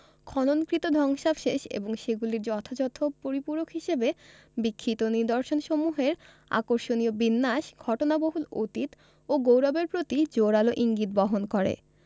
খননকৃত ধ্বংসাবশেষ এবং সেগুলির যথাযথ পরিপূরক হিসেবে বিক্ষিপ্ত নিদর্শনসমূহের আকর্ষণীয় বিন্যাস ঘটনাবহুল অতীত ও গৌরবের প্রতি জোরালো ইঙ্গিত বহন করে